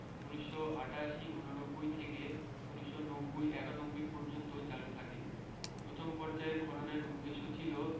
১৯৮৮ ৮৯ থেকে ১৯৯০ ৯১ পর্যন্ত চালু থাকে প্রথম পর্যায়ের খননের উদ্দেশ্য ছিল